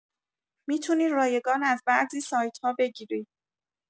می‌تونی رایگان از بعضی سایت‌ها بگیری